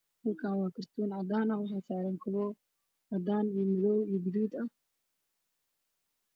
Halkan wax yalo kartoon wax saaran kabo cadaan madow iyo guduud ah